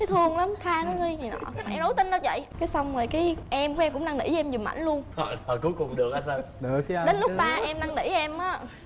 thấy thương lắm tha nó đi này nọ em có tin đâu chị cái rồi cái em của em cũng năn nỉ em dùm ảnh luôn đến lúc ba em năn nỉ em ớ